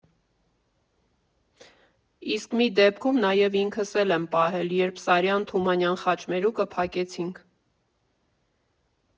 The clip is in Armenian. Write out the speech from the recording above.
Իսկ մի դեպքում նաև ինքս էլ եմ պահել, երբ Սարյան֊Թումանյան խաչմերուկը փակեցինք։